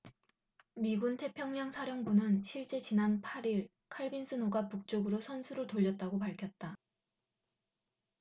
미군 태평양 사령부는 실제 지난 팔 일 칼 빈슨호가 북쪽으로 선수를 돌렸다고 밝혔다